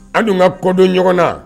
An dun ka kɔdon ɲɔgɔn na